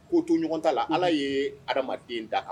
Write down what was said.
Ko to ɲɔgɔn t'a la Ala ye adamaden da ka